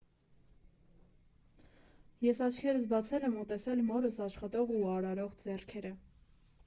Ես աչքերս բացել եմ ու տեսել մորս աշխատող ու արարող ձեռքերը։